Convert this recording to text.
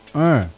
aa